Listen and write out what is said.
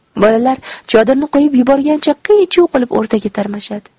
bolalar chodirni qo'yib yuborgancha qiy chuv qilib o'rtaga tarmashadi